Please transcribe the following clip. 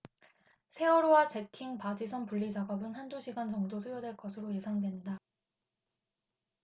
세월호와 잭킹 바지선 분리 작업은 한 두 시간 정도 소요될 것으로 예상된다